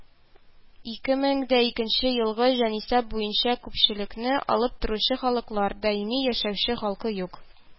2002 елгы җанисәп буенча күпчелекне алып торучы халыклар: даими яшәүче халкы юк